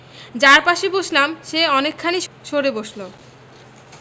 যার পাশে বসলাম সে অনেকখানি সরে বসল